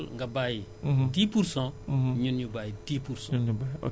loolu moo tax ñu ne war nañu xool nga bàyyi